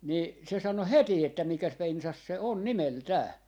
niin se sanoi heti että mikäs pensas se on nimeltään